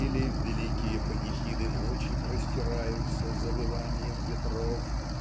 или "великие панихиды ночи простираются завыванием ветров